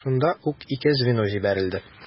Шунда ук ике звено җибәрелде.